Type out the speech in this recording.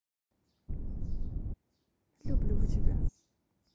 люблю тебя